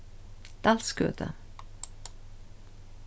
dalsgøta